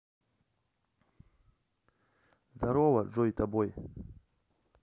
здорово джой тобой